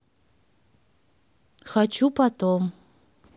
хочу потом